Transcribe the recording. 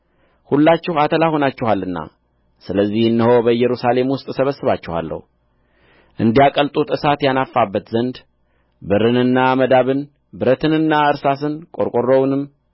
ሁላችሁ አተላ ሆናችኋልና ስለዚህ እነሆ በኢየሩሳሌም ውስጥ እሰበስባችኋለሁ እንዲያቀልጡት እሳት ያናፉበት ዘንድ ብርንና መዳብን ብረትንና እርሳስን ቈርቈሮንም